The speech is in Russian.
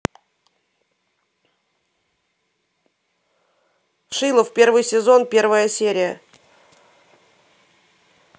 шилов первый сезон первая серия